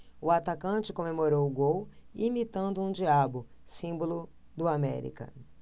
o atacante comemorou o gol imitando um diabo símbolo do américa